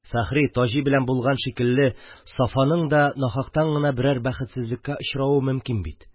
Фәхри, Таҗи белән булган шикелле, Сафаның да нахактан гына берәр бәхетсезлеккә очравы мөмкин бит...